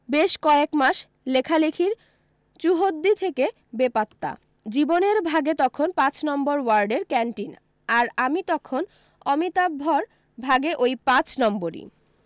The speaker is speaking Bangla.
বেশ কয়েকমাস লেখালিখির চুহদ্দি থেকে বেপাত্তা জীবনের ভাগে তখন পাঁচ নম্বর ওয়ার্ডের ক্যান্টিন আর আমি তখন অমিতাভর ভাগে অই পাঁচ নম্বরই